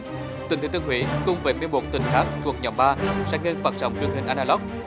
tỉnh thừa thiên huế cùng với mười một tỉnh khác thuộc nhóm ba sẽ ngưng phát sóng truyền hình a na lóc